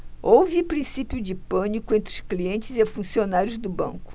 houve princípio de pânico entre os clientes e funcionários do banco